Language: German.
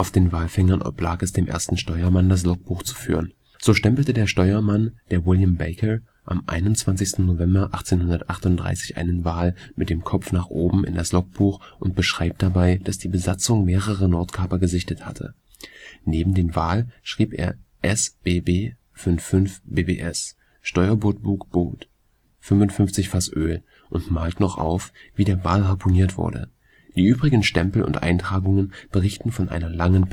den Walfängern oblag es dem ersten Steuermann das Logbuch zu führen. So stempelte der Steuermann der William Baker am 21. November 1838 einen Wal mit dem Kopf nach oben in das Logbuch und beschreibt dabei, dass die Besatzung mehrere Nordkaper gesichtet hatte. Neben den Wal schrieb er „ S.B.B. 55 bbs “– Steuerbordbug-Boot, 55 Fass Öl – und malt noch auf, wie der Wal harpuniert wurde. Die übrigen Stempel und Eintragungen berichten von einer langen